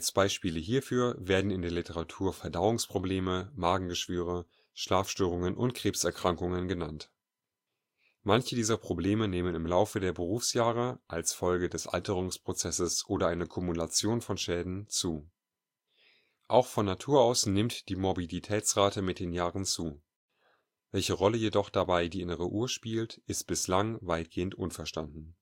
Beispiele hierfür werden in der Literatur Verdauungsprobleme, Magengeschwüre, Schlafstörungen und Krebserkrankungen genannt. Manche dieser Probleme nehmen im Laufe der Berufsjahre, als Folge des Alterungsprozesses oder einer Kumulation (Anhäufung) von Schäden, zu. Auch von Natur aus nimmt die Morbiditätsrate mit den Jahren zu; welche Rolle jedoch die innere Uhr dabei spielt, ist bislang weitgehend unverstanden